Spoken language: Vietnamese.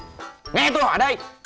nghe tôi hỏi đây